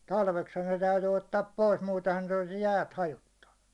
talveksihan ne täytyi ottaa pois muutenhan ne olisi jäät hajottanut